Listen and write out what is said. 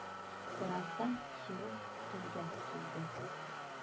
Бераздан хирург телгә килде: